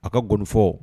A ka gonifɔ